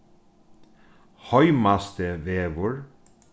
heimastivegur